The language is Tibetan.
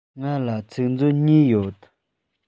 ང ལ ཚིག མཛོད གཉིས ཡོད